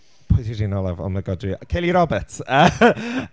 Pwy 'di’r un olaf? Oh my God dwi... Kayley Roberts!